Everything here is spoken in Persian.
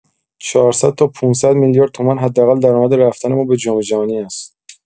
۴۰۰ تا ۵۰۰ میلیارد تومان حداقل درآمد رفتن ما به جام‌جهانی است.